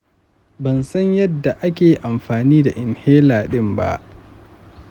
ban san yadda ake amfani da inhaler dina ba.